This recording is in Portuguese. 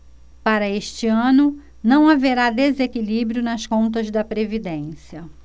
para este ano não haverá desequilíbrio nas contas da previdência